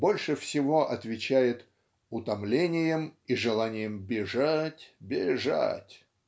больше всего отвечает "утомлением и желанием бежать бежать"